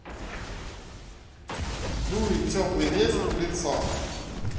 дует теплый ветер в лицо